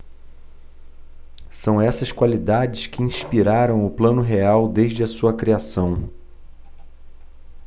são essas qualidades que inspiraram o plano real desde a sua criação